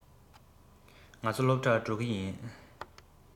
ང ཚོ སློབ གྲྭར འགྲོ གི ཡིན